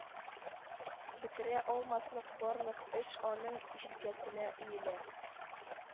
Бетерә алмаслык барлык эш аның җилкәсенә өелә